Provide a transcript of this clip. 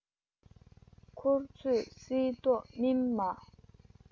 མཁུར ཚོས སིལ ཏོག སྨིན མ